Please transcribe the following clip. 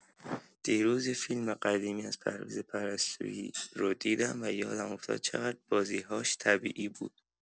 دیروز یه فیلم قدیمی از پرویز پرستویی رو دیدم و یادم افتاد چقدر بازی‌هاش طبیعی بود.